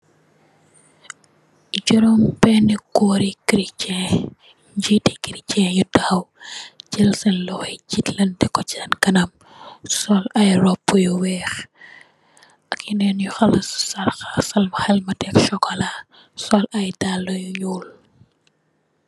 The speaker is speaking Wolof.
Juróom beni goori Christine njiiti Christine yu taxaw jel sen loxo yi jeet lan tex ko sen kanam sol ay roba yu weex ak yenen yu xala crax xelmite ak chocolat sol ay daala yu nuul.